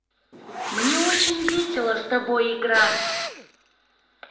мне очень весело с тобой играть